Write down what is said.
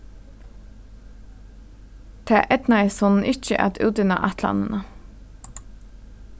tað eydnaðist honum ikki at útinna ætlanina